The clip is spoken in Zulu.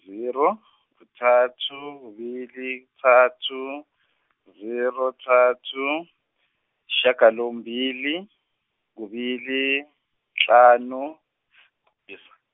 zero kuthathu kubili kuthathu, zero kuthathu, isishiyagalombili kubili, kuhlanu, is-.